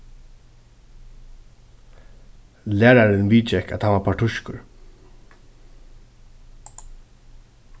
lærarin viðgekk at hann var partískur